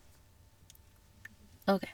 OK.